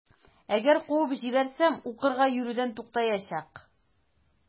Әгәр куып җибәрсәм, укырга йөрүдән туктаячак.